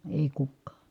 ei kukaan